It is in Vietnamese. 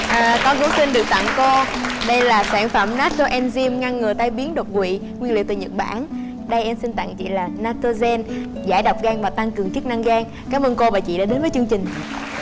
à con cũng xin được tặng cô đây là sản phẩm nát tô en dim ngăn ngừa tai biến đột quỵ nguyên liệu từ nhật bản đây em xin tặng chỉ là na tô gien giải độc gan và tăng cường chức năng giang cám ơn cô và chị đã đến với chương trình